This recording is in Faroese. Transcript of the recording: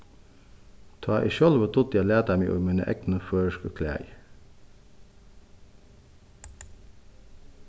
tá eg sjálvur dugdi at lata meg í míni egnu føroysku klæðir